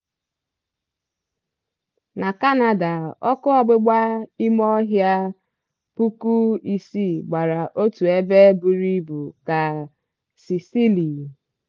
Na Kanada, ọkụ ọgbụgba ịme ọhịa 6000 gbara otu ebe buru ibu ka Sicily.